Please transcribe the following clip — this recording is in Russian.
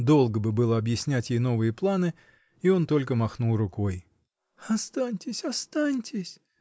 Долго бы было объяснять ей новые планы — и он только махнул рукой. — Останьтесь, останьтесь!